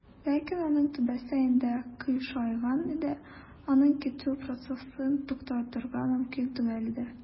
Ләкин аның түбәсе инде "кыйшайган" иде, аның китү процессын туктатырга мөмкин түгел иде.